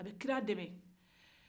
a bɛ kira dɛmɛn